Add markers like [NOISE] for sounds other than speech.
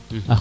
[HESITATION] [HESITATION]